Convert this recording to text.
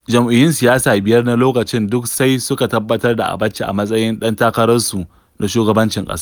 Jam'iyyun siyasa biyar na lokacin duk sai suka tabbatar da Abacha a matsayin ɗan takararsu na shugabancin ƙasa.